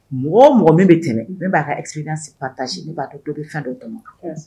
Mɔgɔ mɔgɔ min bɛ tɛmɛ n b'a kag patasi ne b'a dɔn dɔ bɛ fɛn dɔ tɛmɛ